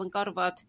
yn gorfod